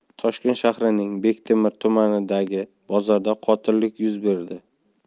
toshkent shahrining bektemir tumanidagi bozorda qotillik yuz berdi